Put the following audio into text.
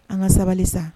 An ka sabali san